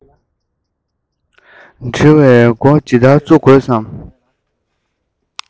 འབྲི བའི མགོ ཇི ལྟར འཛུགས དགོས སམ